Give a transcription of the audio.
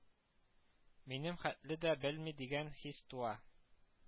Минем хәтле дә белми дигән хис туа